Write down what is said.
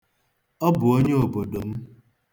Ọ bụ onye obodo m.